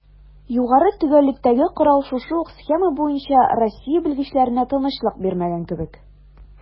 Югары төгәллектәге корал шушы ук схема буенча Россия белгечләренә тынычлык бирмәгән кебек: